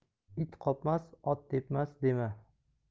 it qopmas ot tepmas dema